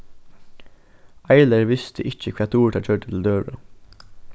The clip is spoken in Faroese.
eiler visti ikki hvat durita gjørdi til døgurða